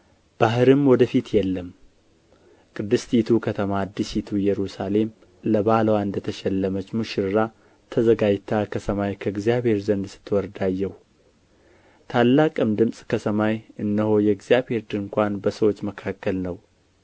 ባሕርም ወደ ፊት የለም ቅድስቲቱም ከተማ አዲሲቱ ኢየሩሳሌም ለባልዋ እንደ ተሸለመች ሙሽራ ተዘጋጅታ ከሰማይ ከእግዚአብሔር ዘንድ ስትወርድ አየሁ ታላቅም ድምፅ ከሰማይ እነሆ የእግዚአብሔር ድንኳን በሰዎች መካከል ነው